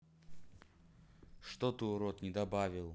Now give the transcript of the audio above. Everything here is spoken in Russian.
что ты урод не добавил